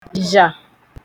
zhà